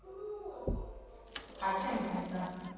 а чем занята